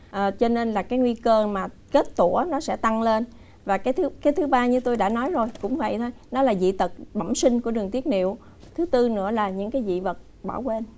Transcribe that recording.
ờ cho nên là cái nguy cơ mà kết tủa nó sẽ tăng lên và cái thứ cái thứ ba như tôi đã nói rồi cũng vậy thôi nó là dị tật bẩm sinh của đường tiết niệu thứ tư nữa là những cái dị vật bỏ quên